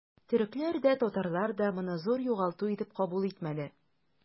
Төрекләр дә, татарлар да моны зур югалту итеп кабул итмәде.